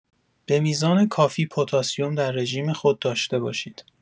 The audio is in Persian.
به میزان کافی پتاسیم در رژیم خود داشته باشید.